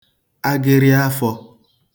agịrị afọ̄